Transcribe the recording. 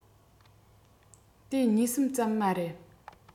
དེ གཉིས གསུམ ཙམ མ རེད